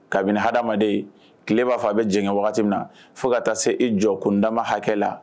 Kabini adamaden tile b'a fɔ a bɛ jɛngɛ waati min na fo ka taa se i jɔ kundama hakɛ la.